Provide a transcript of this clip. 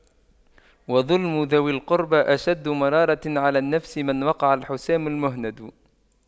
وَظُلْمُ ذوي القربى أشد مرارة على النفس من وقع الحسام المهند